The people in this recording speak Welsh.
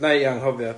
Wna i anghofio.